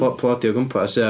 Plodio o gwmpas, ia.